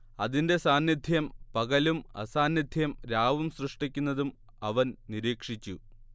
അതിന്റെ സാന്നിദ്ധ്യം പകലും അസാന്നിദ്ധ്യം രാവും സൃഷ്ടിക്കുന്നതും അവൻ നിരീക്ഷിച്ചു